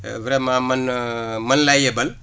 vraiment man man lay yebal